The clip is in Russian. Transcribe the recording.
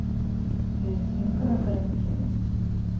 лезгинка на карантине